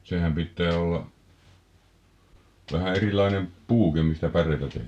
sehän pitää olla vähän erilainen puukin mistä päreitä -